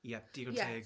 Ie, digon teg.